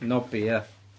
Nobby, ia.